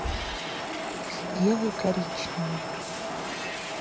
сделай коричневым